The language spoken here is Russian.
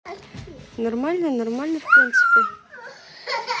нормально нормально в принципе